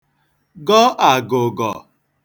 gọ àgụ̀gọ̀